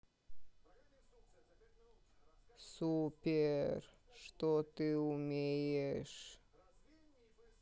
супер что ты умеешь